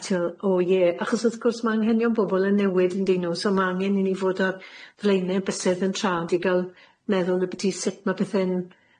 Achos wrth gwrs ma' anghenion bobol yn newid yndyn nw so ma' angen i ni fod ar flaene bysedd yn trad i ga'l meddwl ymbyti sut ma' pethe'n